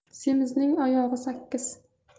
semizning oyog'i sakkiz